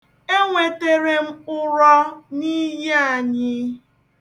E nwetere m ụrọ n'iyi anyị.